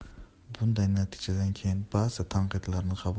bunday natijadan keyin ba'zi tanqidlarni qabul